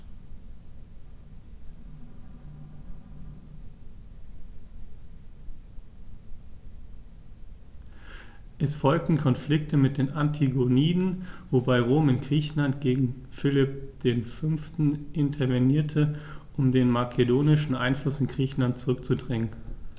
Es folgten Konflikte mit den Antigoniden, wobei Rom in Griechenland gegen Philipp V. intervenierte, um den makedonischen Einfluss in Griechenland zurückzudrängen.